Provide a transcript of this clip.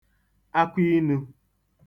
akụinū